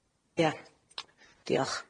Ia, diolch.